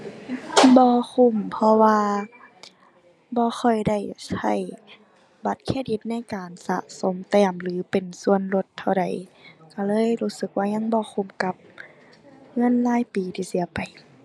บ่คุ้ม เพราะว่า บ่ค่อยได้ใช้บัตรเครดิตในการสะสมแต้ม หรือเป็นส่วนลดเท่าใด ก็เลยรู้สึกว่ายังบ่คุ้มกับ เงินรายปีที่เสียไป